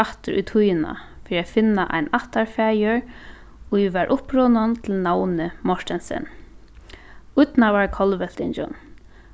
aftur í tíðina fyri at finna ein ættarfaðir ið var upprunin til navnið mortensen ídnaðarkollveltingin